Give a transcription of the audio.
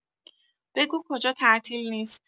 بگو کجا تعطیل نیست